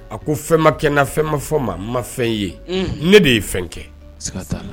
A ko fɛn ma kɛ na fɛn ma fɔ ma ma fɛn ye ne de ye fɛn kɛ